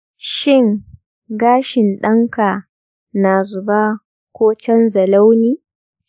shin gashin ɗan ka na zuba ko canza launi?